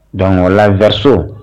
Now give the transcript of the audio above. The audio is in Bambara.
Don la da so